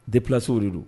De plaso de don